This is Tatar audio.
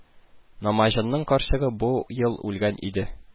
Намаҗанның карчыгы бу ел үлгән иде